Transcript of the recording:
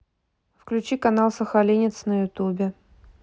включи канал сахалинец на ютубе